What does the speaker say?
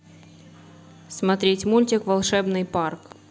смотреть мультик волшебный парк